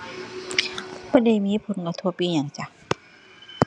บ่ได้มีผลกระทบอิหยังจ้ะ